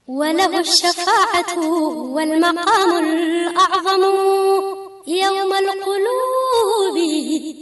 Walimaku walima ɲamalu